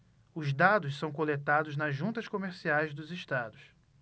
os dados são coletados nas juntas comerciais dos estados